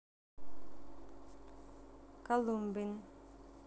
columbine